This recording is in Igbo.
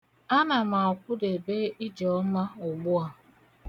Ana m akwụdebe Ijeọma ugbu a.